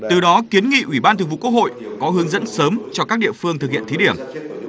từ đó kiến nghị ủy ban thường vụ quốc hội có hướng dẫn sớm cho các địa phương thực hiện thí điểm